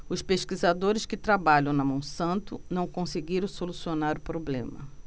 os pesquisadores que trabalham na monsanto não conseguiram solucionar o problema